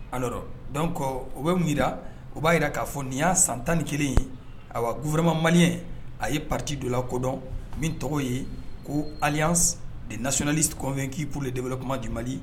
A dɔn kɔ u bɛ yi u b'a jira k'a fɔ nin y'a san tan ni kelen ye a kuuorourama mali a ye pati donla kodɔn min tɔgɔ ye ko ali de nasonali co kɔn k'ipur de bɛla kuma di mali